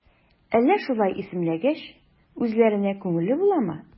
Әллә шулай исемләгәч, үзләренә күңелле буламы?